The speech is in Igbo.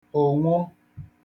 ònwo